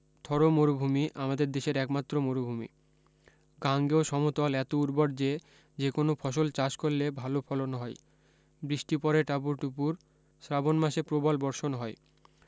থর মরুভূমি আমাদের দেশের একমাত্র মরুভূমি গাঙ্গেয় সমতল এত উর্বর যে যেকোনো ফসল চাষ করলে ভাল ফলোন হয় বৃষ্টি পরে টাপুর টুপুর স্রাবন মাসে প্রবল বর্ষণ হয়